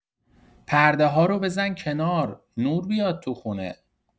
پرده‌ها رو بزن کنار، نور بیاد تو خونه!